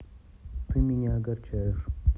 ты меня огорчаешь